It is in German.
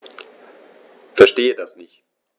Verstehe das nicht.